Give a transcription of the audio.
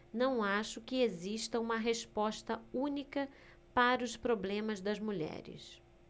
não acho que exista uma resposta única para os problemas das mulheres